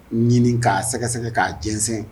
Ɲin k'a sɛgɛsɛgɛ k'a diɲɛsɛn